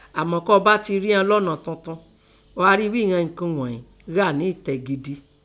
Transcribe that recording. Àmọ́, kọ́ ọ bá tẹ rían lọ́nà tuntun, ọ̀ á rí ghí i ìnan unǹkun ghọ̀n ín ghà nẹ tẹ gidi.